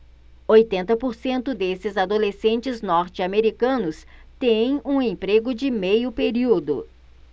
oitenta por cento desses adolescentes norte-americanos têm um emprego de meio período